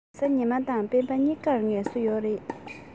རེས གཟའ ཉི མ དང སྤེན པ གཉིས ཀར ངལ གསོ ཡོད རེད